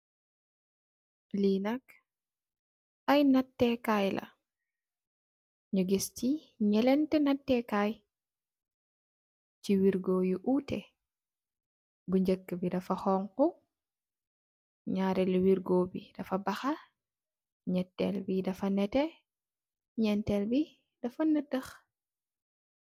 Li nak aye nateh kaila si nyenenteh nateh kai ak wergoh yu uteh bu njekeh bi dafa xong khuh nyarel bi dafa bakha nyetel bi dafa neteh